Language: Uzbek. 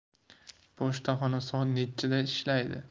pochtaxona soat nechida ishlaydi